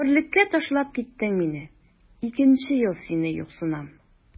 Гомерлеккә ташлап киттең мине, икенче ел сине юксынам.